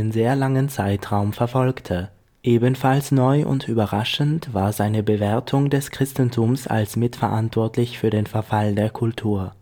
sehr langen Zeitraum verfolgte. Ebenfalls neu und überraschend war seine Bewertung des Christentums als mitverantwortlich für den Verfall der Kultur